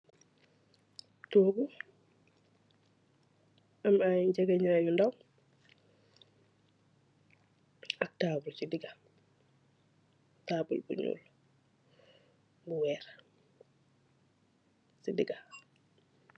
Torgu, am ayy njegenai yu ndaw ak tabul si diga. Tabul Bu nyul Bu tekk si diga.